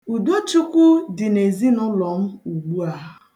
Udochukwu dị n'ezinụlọ m ugbu a.